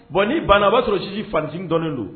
Bon ni bannabaa sɔrɔsi fanfin dɔnni don